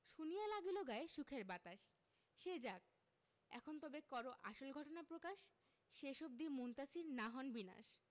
শুনিয়া লাগিল গায়ে সুখের বাতাস সে যাক এখন তবে করো আসল ঘটনা প্রকাশ শেষ অবধি মুনতাসীর না হন বিনাশ